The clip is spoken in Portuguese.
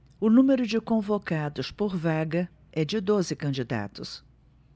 o número de convocados por vaga é de doze candidatos